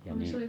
ja niin